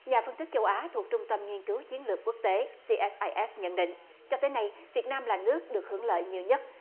nhà phân tích châu á thuộc trung tâm nghiên cứu chiến lược quốc tế xi ét ai ét nhận định cho tới nay việt nam là nước được hưởng lợi nhiều nhất